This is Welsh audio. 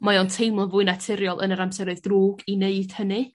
mae o'n teimlo'n fwy naturiol yn yr amseroedd drwg i wneud hynny.